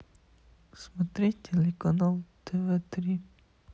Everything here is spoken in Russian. смотреть телеканал тв три